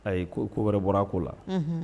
Ayi ko wɛrɛ bɔra a ko la Unhun